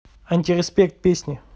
антиреспект песни